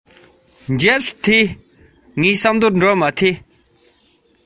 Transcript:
ཉིན རྟག པར ང རང